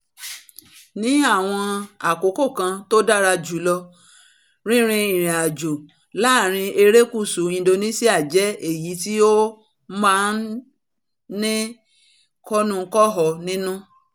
Ní àwọn àkókò kan tó dára jùlọ, rínrín ìrìn-àjò láàrín erékùsù Indonesia jẹ́ èyi tí ó ma ń ní kọ́nuúkọọ nínú.